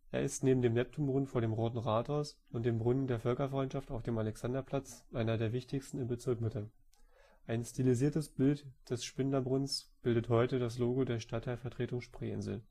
Er ist neben dem Neptunbrunnen vor dem Roten Rathaus und dem Brunnen der Völkerfreundschaft auf dem Alexanderplatz, einer der wichtigsten im Bezirk Mitte. Ein stilisiertes Bild des Spindlerbrunnens bildet heute das Logo der Stadtteilvertretung Spreeinsel